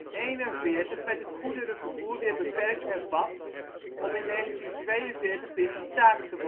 1935. In 1941 werd het goederenvervoer weer beperkt hervat, om in 1942 weer gestaakt te worden